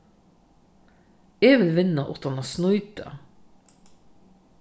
eg vil vinna uttan at snýta